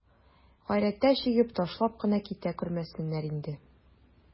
Гайрәте чигеп, ташлап кына китә күрмәсеннәр инде.